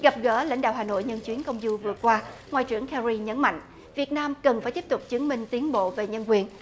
gặp gỡ lãnh đạo hà nội nhân chuyến công du vừa qua ngoại trưởng khe ry nhấn mạnh việt nam cần phải tiếp tục chứng minh tiến bộ về nhân quyền